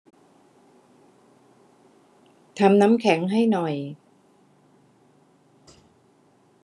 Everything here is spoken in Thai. ทำน้ำแข็งให้หน่อย